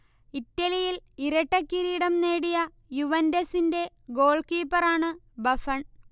ഇറ്റലിയിൽ ഇരട്ടക്കിരീടം നേടിയ യുവന്റസിന്റെ ഗോൾകീപ്പറാണ് ബഫൺ